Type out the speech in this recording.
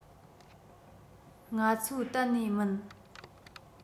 ང ཚོའི གཏན ནས མིན